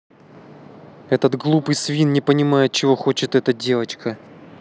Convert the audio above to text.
этот глупый свин не понимает чего хочет эта девочка